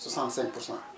6( pour cent